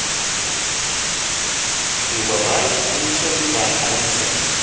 buba by миша бибан алиса